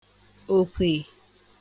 òkwè